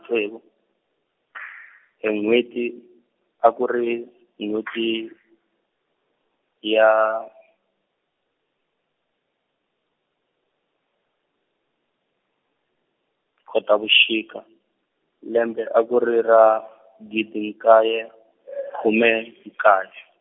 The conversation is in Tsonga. tsevu , e nwheti, a ku ri nwheti, yaa, Khotavuxika, lembe a ku ri ra, gidi kaye , khume nkaye.